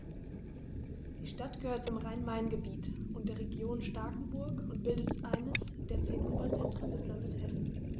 Die Stadt gehört zum Rhein-Main-Gebiet und der Region Starkenburg und bildet eines der zehn Oberzentren des Landes Hessen.